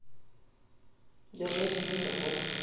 держать змею за хвост